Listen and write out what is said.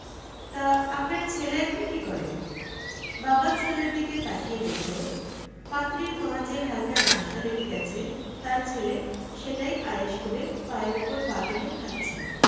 তা আপনার ছেলে এখন কী করে বাবা ছেলের দিকে তাকিয়ে দেখল পাত্রীর মা যে হালকা নাশতা রেখে গেছে তার ছেলে সেটাই আয়েশ করে পায়ের ওপর পা তুলে খাচ্ছে